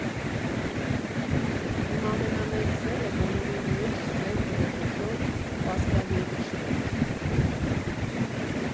Իմ ամենամեծ սերը բոլորի մեջ սերբ ռեժիսոր Պասկալևիչն էր։